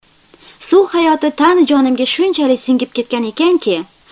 suv hayoti tanu jonimga shunchalik singib ketgan ekanki